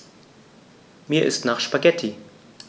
Mir ist nach Spaghetti.